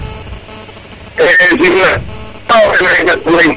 *